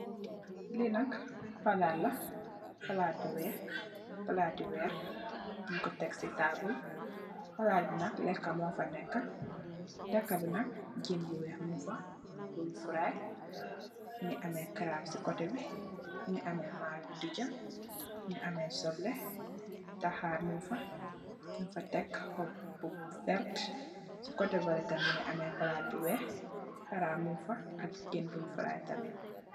Lii nak palaat la, palaati weer, ñung ko tek si palaat, palaat bi nak leekë moo si neekë, jumboo mung fa, bung faraay, mu ngi karaap so diggë bi,